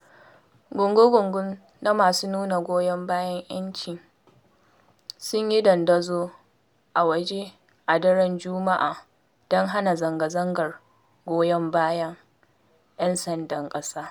Gungu-gungu na masu nuna goyon bayan ‘yanci sun yi dandazo a waje a daren juma'a don hana zanga-zangar goyon bayan ‘yan sandan ƙasa.